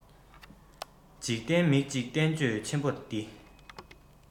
འཇིག རྟེན མིག གཅིག བསྟན བཅོས ཆེན པོ འདི